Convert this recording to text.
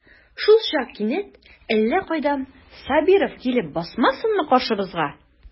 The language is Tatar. Шулчак кинәт әллә кайдан Сабиров килеп басмасынмы каршыбызга.